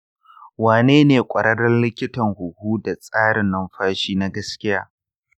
wane ne ƙwararren likitan huhu da tsarin numfashi na gaskiya?